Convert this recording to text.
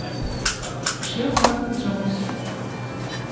шеф адам джонс